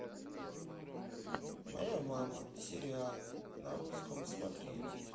моя мама сериал на русском смотреть